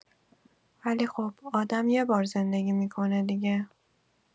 ولی خب، آدم یه بار زندگی می‌کنه دیگه.